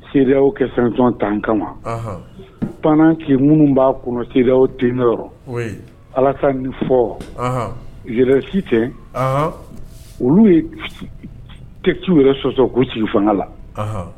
CEDEAO ka sanction t'an kama, ɔnhɔn, pendant que minnu b'a kɔnɔ CEDEAO teneurs Alasane ni Faure je les cite olu ye texte yɛrɛ sɔsɔ k'u sigi fanga la, ɔnhɔn